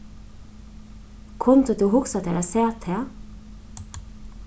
kundi tú hugsað tær at sæð tað